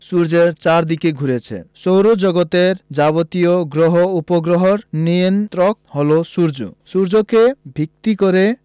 সূর্যের চারদিকে ঘুরছে সৌরজগতের যাবতীয় গ্রহ উপগ্রহের নিয়ন্ত্রক হলো সূর্য সূর্যকে ভিত্তি করে